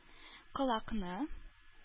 Колакны